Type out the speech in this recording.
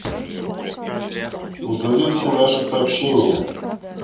удали все наши сообщения